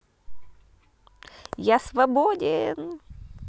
я свободен